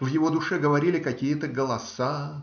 В его душе говорили какие-то голоса